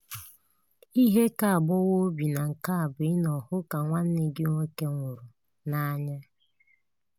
Ihe ka agbawa obi na nke a bụ ịnọ hụ ka nwanne gị nwoke nwụrụ n'anya.